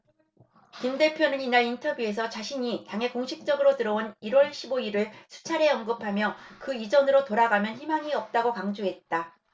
김 대표는 이날 인터뷰에서 자신이 당에 공식적으로 들어온 일 월 십 오 일을 수차례 언급하며 그 이전으로 돌아가면 희망이 없다고 강조했다